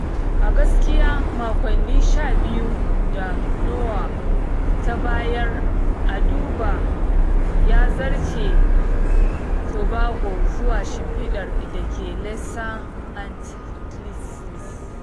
A gaskiya, makonni 12 da NOAA ta bayar a duba har ya zarce Tobago zuwa shimfiɗar da ke Lesser Antilles.